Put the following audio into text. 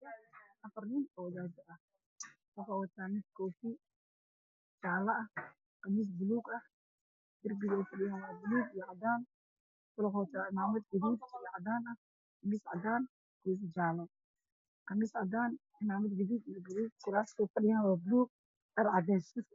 Meeshan waxaa fadhida afar nin oo wataan khamiisyo mid wuxuu wataa khamiis caddaalad mid kalena khamiis buluug lagu xigeen waxayna wataan kurtigood cimaamada iyo koofiyaan